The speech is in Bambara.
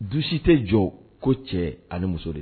Dusi tɛ jɔ ko cɛ ani muso de